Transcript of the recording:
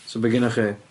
So be' gennoch chi?